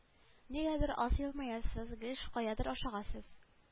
Нигәдер аз елмаясыз гел каядыр ашыгасыз